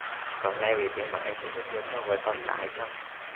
có lẽ vì thế mà anh cũng rất nghiêm khắc với con cái chăng